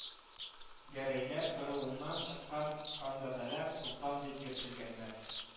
Гәрәйләр ыруыннан чыккан ханзадәләр солтан дип йөртелгәннәр